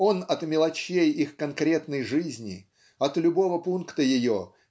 он от мелочей их конкретной жизни от любого пункта ее